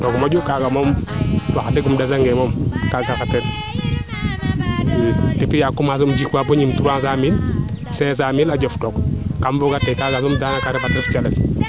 roog moƴu kaaga moom wax deg im ndasa ngee moom depuis yaa commencer uuma jik waa bo ndiik 300 mille 500 mille a jof took kam fooge kaaga soom danaka ten refatu calel ke